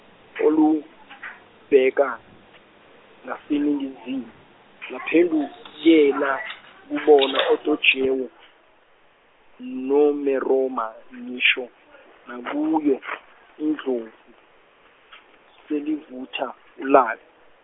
olubheka ngase- Ningizimu laphendukela kubona oTajewo noMeromo ngisho nakuyo indlovu selivutha ula-.